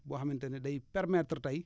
boo xamante ni day permettre tey